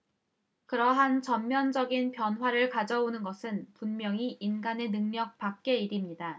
그러한 전면적인 변화를 가져오는 것은 분명히 인간의 능력 밖의 일입니다